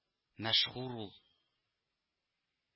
Мәшһүр ул